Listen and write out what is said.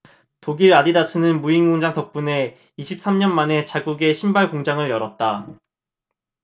독일 아디다스는 무인공장 덕분에 이십 삼 년 만에 자국에 신발공장을 열었다